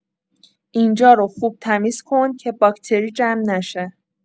اینجا رو خوب تمیز کن که باکتری جمع نشه.